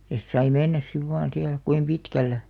ja sitten sai mennä sitten vain siellä kuinka pitkällä